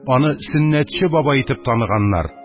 Аны сөннәтче бабай итеп таныганнар,